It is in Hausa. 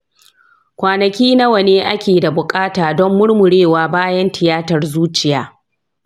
kwanaki nawa ne ake da buƙata don murmurewa bayan tiyatar zuciya?